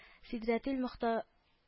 Сидрәтил мохта